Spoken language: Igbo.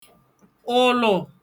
ụ̀lụ̀